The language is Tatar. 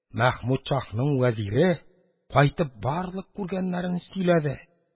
Мәхмүд шаһның вәзире, кайтып, барлык күргәннәрен сөйләде